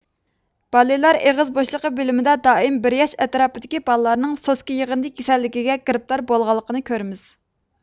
بالىلار ئېغىز بوشلۇقى بۆلۈمىدە دائىم بىر ياش ئەتراپىدىكى بالىلارنىڭ سوسكا يىغىندى كېسەللىكىگە گىرىپتار بولغانلىقىنى كۆرىمىز